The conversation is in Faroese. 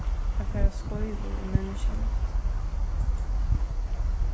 at fara skeivur er menniskjaligt